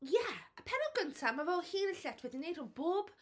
Ie, y pennod gynta, mae fe o hyd yn lletchwith, ni'n wneud hwn bob...